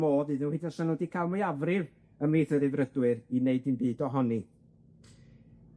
modd iddyn nw hyd yn o'd os o'n nw 'di ca'l mwyafrif ymhlith y Rhyddfrydwyr i wneud dim byd ohoni.